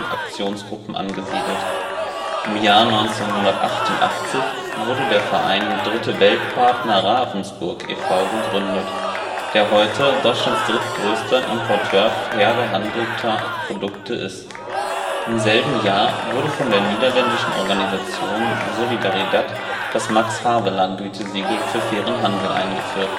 Aktionsgruppen angesiedelt. Im Jahr 1988 wurde der Verein Dritte-Welt Partner Ravensburg e.V. (dwp Ravensburg) gegründet, der heute Deutschlands drittgrößter Importeur fair gehandelter Produkte ist. Im selben Jahr wurde von der niederländischen Organisation Solidaridad das Max-Havelaar-Gütesiegel für Fairen Handel eingeführt